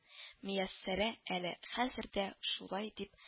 —мияссәрә әле хәзер дә шулай дип